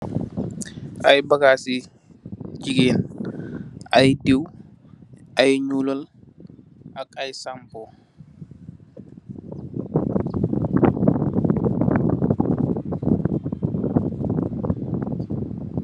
Ay bagaas si gigeen, ay diw, ay ñulal ak ay shampoo.